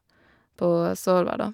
På Svolvær, da.